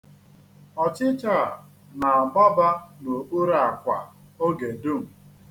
Ọchịcha a na-agbaba n'okpuru akwa oge dum.